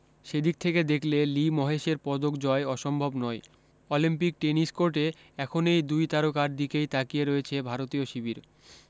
সেদিক থেকে দেখলে লি মহেশের পদক জয় অসম্ভব নয় অলিম্পিক টেনিস কোর্টে এখন এই দুই তারকার দিকেই তাকিয়ে রয়েছে ভারতীয় শিবির